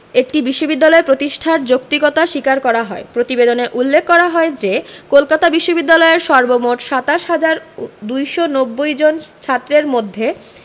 একটি বিশ্ববিদ্যালয় প্রতিষ্ঠার যৌক্তিকতা স্বীকার করা হয় প্রতিবেদনে উল্লেখ করা হয় যে কলকাতা বিশ্ববিদ্যালয়ের সর্বমোট ২৭ হাজার ২৯০ জন ছাত্রের মধ্যে